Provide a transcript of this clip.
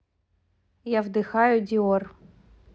я вдыхаю диор